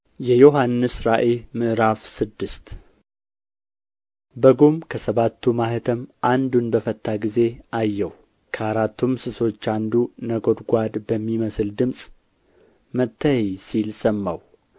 የዮሐንስ ራእይ ምዕራፍ ስድስት በጉም ከሰባቱ ማኅተም አንዱን በፈታ ጊዜ አየሁ ከአራቱም እንስሶች አንዱ ነጐድጓድ በሚመስል ድምፅ መጥተህ እይ ሲል ሰማሁ